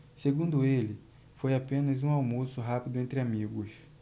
segundo ele foi apenas um almoço rápido entre amigos